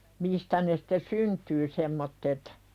mistä ne sitten syntyy semmoiset